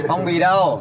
phong bì đâu